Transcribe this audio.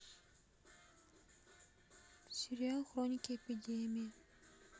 сериал хроники эпидемии